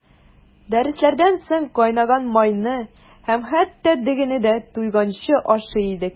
Дәресләрдән соң кайнаган майны һәм хәтта дөгене дә туйганчы ашый идек.